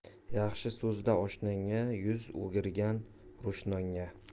yaxshi so'zla oshnoga yuz o'girgin ro'shnoga